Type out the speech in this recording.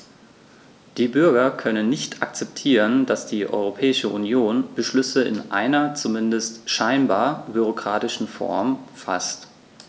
Die Bürger können nicht akzeptieren, dass die Europäische Union Beschlüsse in einer, zumindest scheinbar, bürokratischen Form faßt.